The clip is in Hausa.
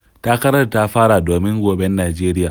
Takarar ta fara domin goben Najeriya